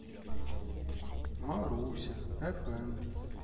маруся фм